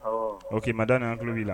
O' ma da ni tulolo'i la